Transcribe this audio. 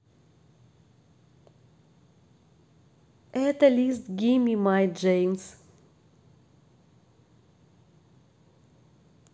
это list gimme my джеймс